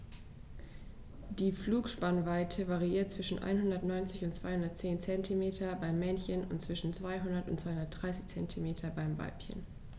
Die Flügelspannweite variiert zwischen 190 und 210 cm beim Männchen und zwischen 200 und 230 cm beim Weibchen.